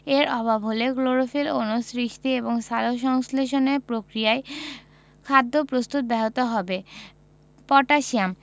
এর অভাব হলে ক্লোরোফিল অণু সৃষ্টি এবং সালোকসংশ্লেষণ প্রক্রিয়ায় খাদ্য প্রস্তুত ব্যাহত হবে পটাশিয়াম